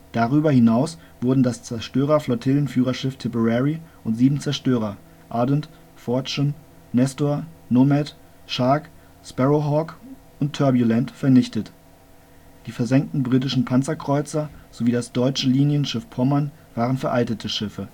Darüber hinaus wurden das Zerstörer-Flottillenführerschiff Tipperary und sieben Zerstörer (Ardent, Fortune, Nestor, Nomad, Shark, Sparrowhawk und Turbulent) vernichtet. Die versenkten britischen Panzerkreuzer sowie das deutsche Linienschiff Pommern waren veraltete Schiffe